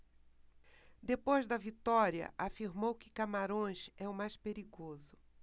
depois da vitória afirmou que camarões é o mais perigoso